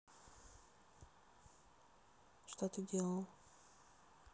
что ты делал